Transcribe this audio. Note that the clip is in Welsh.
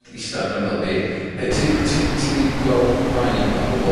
...ista'n ymyl fi, he- ti 'di ti ti 'di gweld Vineo gwbwl?